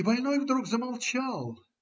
Больной вдруг замолчал.